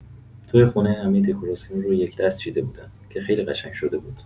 توی خونه همه دکوراسیون رو یک دست چیده بودن که خیلی قشنگ شده بود.